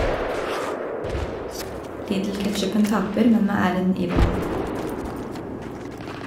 Lidl-ketchupen taper, men med æren i behold.